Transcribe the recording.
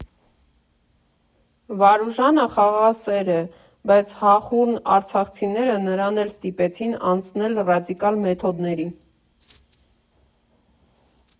Վարուժանը խաղաղասեր է, բայց հախուռն արցախցիները նրան էլ ստիպեցին անցնել ռադիկալ մեթոդների։